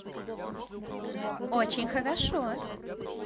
очень хорошо